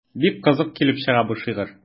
Бик кызык килеп чыга бу шигырь.